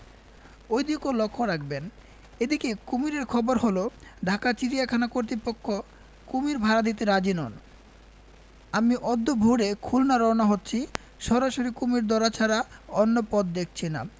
ঐ দিকেও লক্ষ রাখবেন এ দিকে কুমীরের খবর হল ঢাকা চিড়িয়াখানা কর্তৃপক্ষ কুমীর ভাড়া দিতে রাজী নন আমি অদ্য ভোরে খুলনা রওনা হচ্ছি সরাসরি কুমীর ধরা ছাড়া অন্য পথ দেখছি না